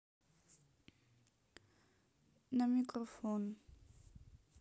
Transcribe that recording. на микрофон